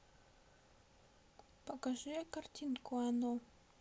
покажи картинку оно